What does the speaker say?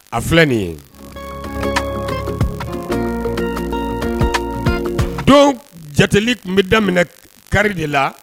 A filɛ nin ye don jatigili tun bɛ daminɛ kari de la